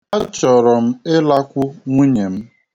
A chọrọ m ịlakwu nwunye m.